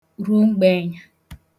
rùo mgbenyā